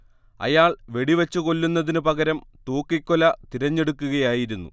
അയാൾ വെടിവച്ച് കൊല്ലുന്നതിനു പകരം തൂക്കിക്കൊല തിരഞ്ഞെടുക്കുകയായിരുന്നു